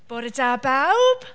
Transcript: Bore da bawb.